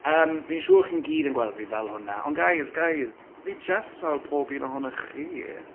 Yym, fi'n siŵr chi'n gyd yn gweld fi fel hwna, ond guys, guys, fi jyst fel pob un ohonoch chi.